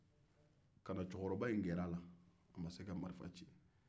ka na cɛkɔrɔba in gɛrɛ a la a ma se ka marifa ci